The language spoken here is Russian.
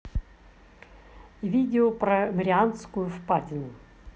видео про марианскую впадину